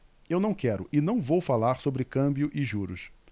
eu não quero e não vou falar sobre câmbio e juros